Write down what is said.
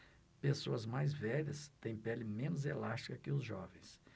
pessoas mais velhas têm pele menos elástica que os jovens